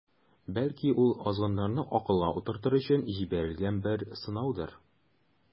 Бәлки, ул азгыннарны акылга утыртыр өчен җибәрелгән бер сынаудыр.